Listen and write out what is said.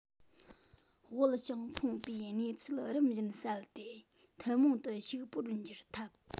དབུལ ཞིང ཕོངས པའི གནས ཚུལ རིམ བཞིན བསལ ཏེ ཐུན མོང དུ ཕྱུག པོར འགྱུར ཐབས